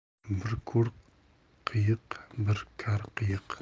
bir ko'r qiyiq bir kar qiyiq